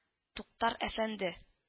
— туктар әфәнде